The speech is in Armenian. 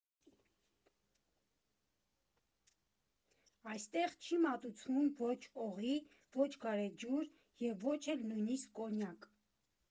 Այստեղ չի մատուցվում ոչ օղի, ոչ գարեջուր, և ոչ էլ նույնիսկ կոնյակ։